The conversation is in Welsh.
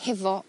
hefo